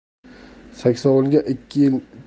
saksovulga ikki yil